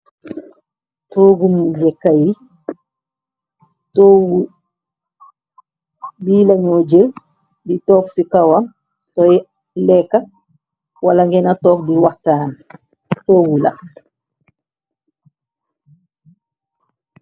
Toogu yu njekkayi, togu bi lañoo jël di toog ci kawam soy leeka, wala ngena toog di waxtaan toogu la.